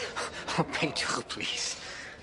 O peidiwch y' plîs.